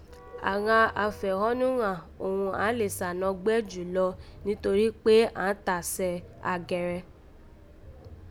Àghan afẹ̀hónúhàn òghun àán lè sá nọgbẹ́ jù lọ nítorí kpé àán tasẹ̀ àgẹ̀rẹ̀